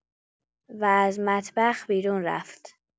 و از مطبخ بیرون رفت.